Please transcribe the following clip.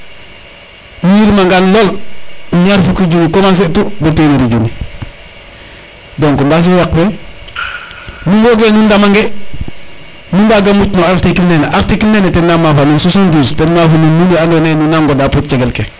nu yirma ngan lol ñaar fukki junni a commencer tu bo temeri junni donc mbaas yo yaq fe nu mboge nu ndama nge nu mbaga muc no article nene article nene na mafa nuun 72 ten mafu nuun nuun we ando naye nuun na ngoda cegel ke